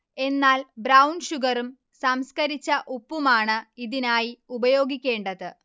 എന്നാൽ ബ്രൌൺ ഷുഗറും സംസ്കരിച്ച ഉപ്പുമാണ് ഇതിനായി ഉപയോഗിക്കേണ്ടത്